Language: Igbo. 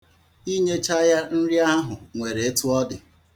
Inyecha ya nri ahụ nwere etu ọ dị.